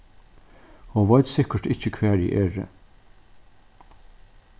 hon veit sikkurt ikki hvar eg eri